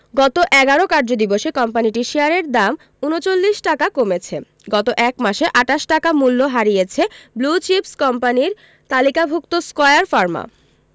গত ১১ কার্যদিবসে কোম্পানিটির শেয়ারের দাম ৩৯ টাকা কমেছে গত এক মাসে ২৮ টাকা মূল্য হারিয়েছে ব্লু চিপস কোম্পানির তালিকাভুক্ত স্কয়ার ফার্মা